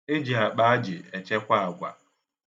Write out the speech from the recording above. E ji akpa ajị echekwa agwa.